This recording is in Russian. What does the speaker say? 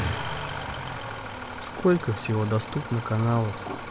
сколько всего доступно каналов